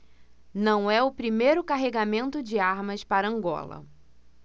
não é o primeiro carregamento de armas para angola